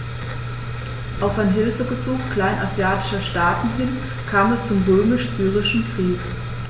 Auf ein Hilfegesuch kleinasiatischer Staaten hin kam es zum Römisch-Syrischen Krieg.